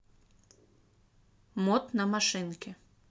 мод на машинки